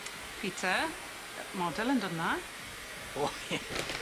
Peter. Yy model yn dod mlan. O ie.